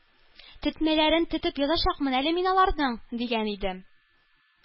Тетмәләрен тетеп язачакмын әле мин аларның“, — дигән идем.